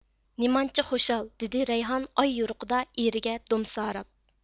نېمانچە خۇشال دېدى رەيھان ئاي يورۇقىدا ئېرىگە دومساراپ